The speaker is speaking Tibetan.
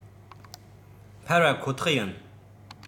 འཕར བ ཁོ ཐག ཡིན